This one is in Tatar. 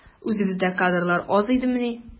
Үзебездә кадрлар аз идемени?